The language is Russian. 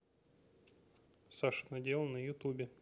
сашино дело на ютубе